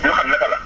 ñu xam naka la